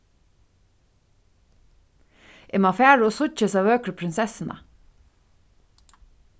eg má fara og síggja hesa vøkru prinsessuna